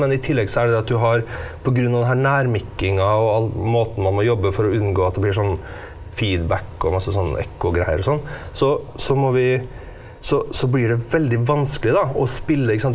men i tillegg så er det det at du har pga. den her nærmikkinga og all måten man må jobbe for å unngå at det blir sånn feedback og masse sånn ekkogreier og sånn så så må vi så så blir det veldig vanskelig da å spille ikke sant.